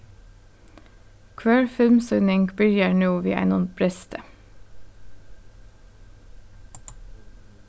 hvør filmssýning byrjar nú við einum bresti